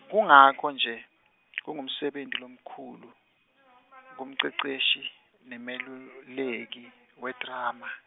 Kungako-nje kungumsebenti lomkhulu , kumceceshi, nemeluleki wedrama.